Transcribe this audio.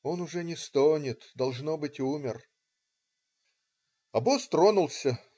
он уже не стонет, должно быть, умер". Обоз тронулся.